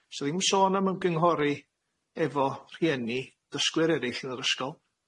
S'a ddim sôn am ymgynghori efo rhieni, dysgwyr erill yn yr ysgol,